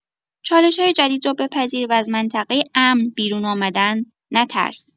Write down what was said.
چالش‌های جدید را بپذیر و از منطقه امن بیرون آمدن نترس.